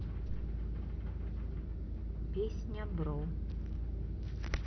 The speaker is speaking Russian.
песня бро